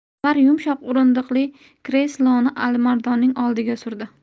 anvar yumshoq o'rindiqli kresloni alimardonning oldiga surdi